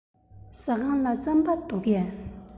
ཟ ཁང ལ རྩམ པ འདུག གས